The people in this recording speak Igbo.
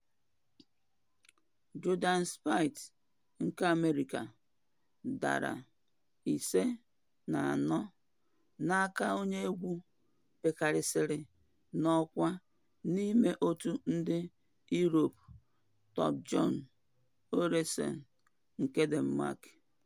Jordan Spieth nke America dara 5na4 n’aka onye egwu pekarịsịrị n’ọkwa n’ime otu ndị Europe, Thorbjorn Olesen nke Denmark.